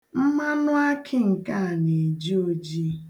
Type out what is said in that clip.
Mmanụakị nke a na-eji oji.